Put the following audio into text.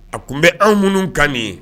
A tun bɛ anw minnu kan nin ye